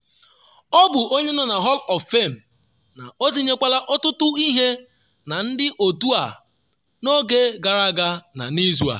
Ọ bụ onye nọ na Hall of Fame, na o tinyekwala ọtụtụ ihe na ndị otu a n’oge gara aga na n’izu a.